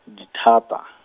dithata.